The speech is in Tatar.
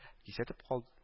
Кисәтеп кал